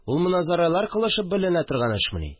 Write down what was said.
Ул моназарәләр кылышып беленә торган эшмени